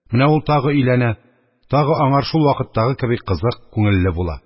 Менә ул тагы өйләнә, тагы аңар шул вакыттагы кеби кызык, күңелле була